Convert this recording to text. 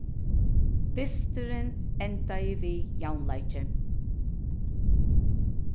dysturin endaði við javnleiki